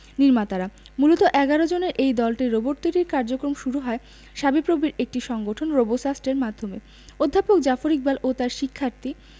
নির্মাতারা মূলত ১১ জনের এই দলটির রোবট তৈরির কার্যক্রম শুরু হয় শাবিপ্রবির একটি সংগঠন রোবোসাস্টের মাধ্যমে অধ্যাপক জাফর ইকবাল ও তার শিক্ষার্থী